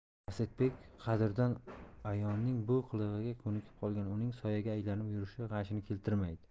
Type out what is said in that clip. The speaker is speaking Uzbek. asadbek qadrdon a'yonining bu qilig'iga ko'nikib qolgan uning soyaga aylanib yurishi g'ashini keltirmaydi